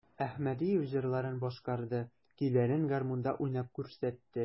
Әхмәдиев җырларын башкарды, көйләрен гармунда уйнап күрсәтте.